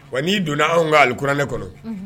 Wa n'i donna anw ka alikuranɛ kɔnɔ